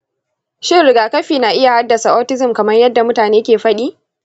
shin rigaakafi na iya haddasa autism kaman yanda mutane ke fadi?